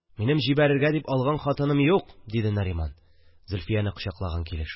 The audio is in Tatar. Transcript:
– минем җибәрергә дип алган хатыным юк! – диде нариман, зөлфияне кочаклаган килеш